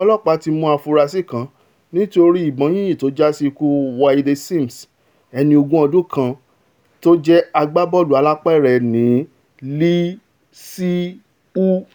Àwọn ọlọ́ọ̀pá ti mú afurasí kan nítorí ìbọn yínyín tó jásí ikú Wayde Sims, ẹni ogún ọdún kan tó jẹ́ agbábọ́ọ̀lù alápẹ̀rẹ̀ ní LSU.